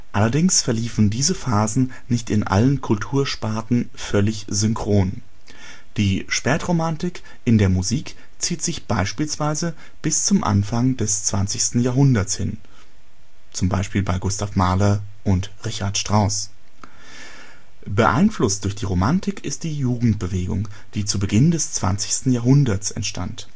Allerdings verliefen diese Phasen nicht in allen Kultursparten völlig synchron; die Spätromantik in der Musik zieht sich beispielsweise bis zum Anfang des 20. Jahrhunderts hin (Gustav Mahler, Richard Strauss). Beeinflusst durch die Romantik ist die Jugendbewegung, die zu Beginn des 20. Jahrhunderts entstand